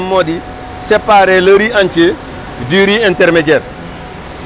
léegi moom rôle am moo di séparé le riz entier du riz intermédiare